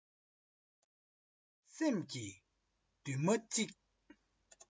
སེམས ཀྱི མདུན མ གཅིག